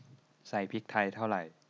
ใส่พริกไทยเท่าไร